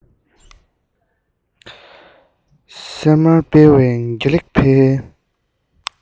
ཤར མར སྤེལ བ དགེ ལེགས འཕེལ